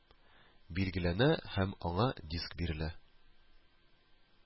Билгеләнә һәм аңа диск бирелә